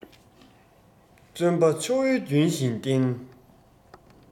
བརྩོན པ ཆུ བོའི རྒྱུན བཞིན བསྟེན